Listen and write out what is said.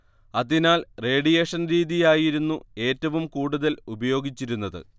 അതിനാൽ റേഡിയേഷൻ രീതിയായിരുന്നു ഏറ്റവും കൂടുതൽ ഉപയോഗിച്ചിരുന്നത്